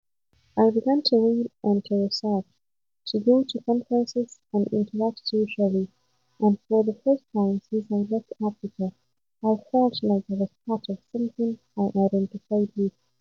I began to read and to research, to go to conferences and interact socially and for the first time since I left Africa, I felt like I was part of something I identified with.